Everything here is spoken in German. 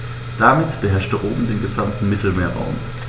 Damit beherrschte Rom den gesamten Mittelmeerraum.